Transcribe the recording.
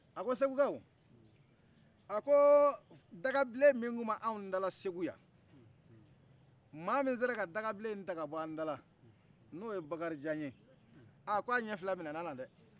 a ko segu kaw a ko dagablen min tun bɛ anw dala segu yan ma min sera ka dagablen yin ta ka bɔ an dala n'o ye bakarijan ye ahh ko a jɛ fila minɛn'a la dɛhh